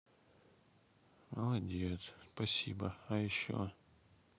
молодец спасибо а еще